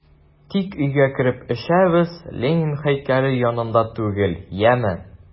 Тик өйгә кереп эчәбез, Ленин һәйкәле янында түгел, яме!